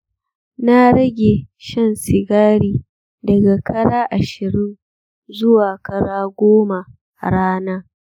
na rage shan sigari daga kara ashirin zuwa kara goma a rana.